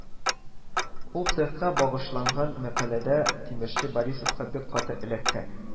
Ул цехка багышланган мәкаләдә тимерче Борисовка бик каты эләккән